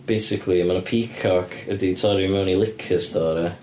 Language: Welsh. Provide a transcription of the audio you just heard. Basically, ma' 'na peacock 'di torri i mewn i liquor store ia.